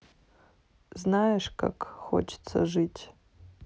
знаешь как хочется жить